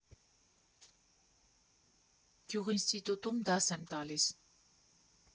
Գյուղինստիտուտում դաս եմ տալիս։